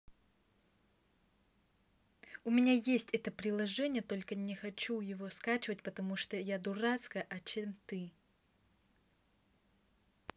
у меня есть это приложение только не хочу его скачивать потому что я дурацкая а чем ты